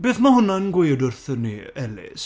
Beth ma'n hwna'n gweud wrthon ni, Ellis?